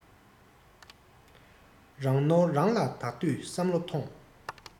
རང ནོར རང ལ བདག དུས བསམ བློ ཐོངས